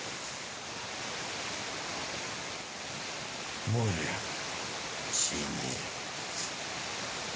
море синее